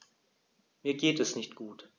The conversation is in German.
Mir geht es nicht gut.